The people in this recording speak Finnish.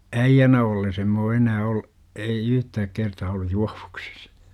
äijänä ollessa en minä ole enää - ei yhtään kertaa ollut juovuksissa